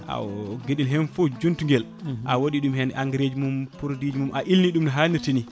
ha gueɗel hen foof jontuguel a waɗi ɗum hen engrais ji mum produit ji mum a illni ɗum no hannirta ni